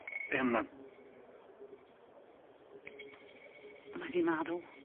Be' am mam? Mae 'di marw.